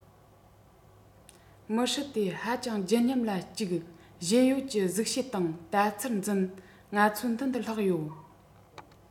མི སྲིད དེ ཧ ཅང བརྗིད ཉམས ལ གཅིག གཞན ཡོད ཀྱི གཟུགས བྱད དང ལྟ ཚུལ འཛིན ང ཚོའི མདུན དུ ལྷགས ཡོད